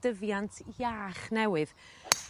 dyfiant iach newydd.